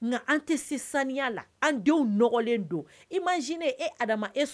Nka tɛ se saniya la an denwlen don i ma e